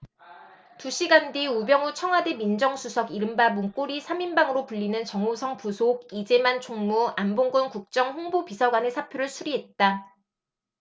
두 시간 뒤 우병우 청와대 민정수석 이른바 문고리 삼 인방으로 불리는 정호성 부속 이재만 총무 안봉근 국정홍보비서관의 사표를 수리했다